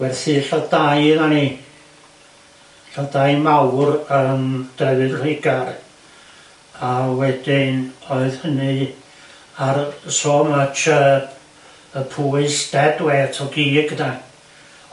gwerthu ella dau o'na ni i lladd-dai mawr yn drefydd Lloegar a 'dyn oedd hynny ar so much yy y pwys dead weigh o gig ynde?